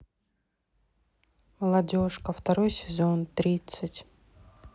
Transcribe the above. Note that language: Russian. молодежка второй сезон тридцать